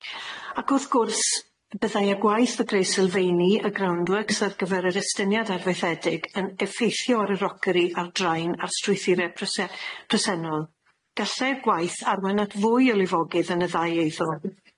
Ac wrth gwrs, byddai y gwaith o greu sylfeini y groundworks ar gyfer yr estyniad arfaethedig yn effeithio ar y rockery a'r draen a'r strwythurau prese- presennol, gallai'r gwaith arwain at fwy o lifogydd yn y ddau eiddo.